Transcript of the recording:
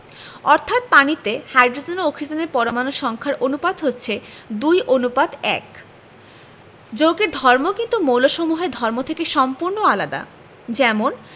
অর্থাৎ পানিতে হাইড্রোজেন ও অক্সিজেনের পরমাণুর সংখ্যার অনুপাত হচ্ছে ২ অনুপাত ১যৌগের ধর্ম কিন্তু মৌলসমূহের ধর্ম থেকে সম্পূর্ণ আলাদা যেমন